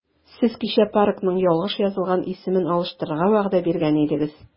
Сез кичә паркның ялгыш язылган исемен алыштырырга вәгъдә биргән идегез.